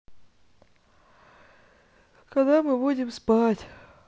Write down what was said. когда мы будем спать